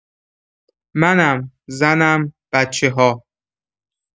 منم، زنم، بچه‌ها.